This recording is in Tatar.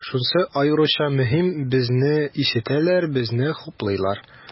Шунысы аеруча мөһим, безне ишетәләр, безне хуплыйлар.